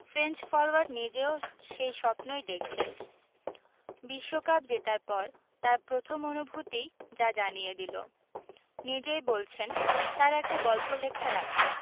French forward নিজেও সেই স্বপ্নই দেখছেন বিশ্বকাপ জেতার পর তাঁর প্রথম অনুভূতিই যা জানিয়ে দিল নিজেই বলছেন তাঁর একটা গল্প লেখার আছে